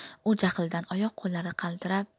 u jahldan oyoq qo'llari qaltirab